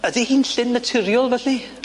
ydi hi'n llyn naturiol felly?